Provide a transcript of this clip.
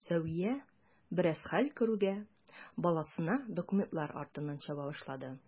Сәвия, бераз хәл керүгә, баласына документлар артыннан чаба башлады.